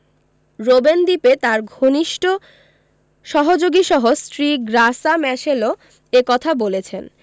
Robben দ্বীপে তাঁর ঘনিষ্ঠ সহযোগীসহ স্ত্রী গ্রাসা ম্যাশেলও এ কথা বলেছেন